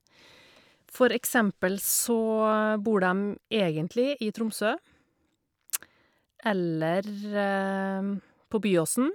For eksempel så bor dem egentlig i Tromsø, eller på Byåsen.